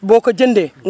boo ko jëndee